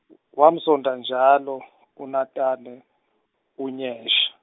w- wamzonda njalo uNatane, Onyesha.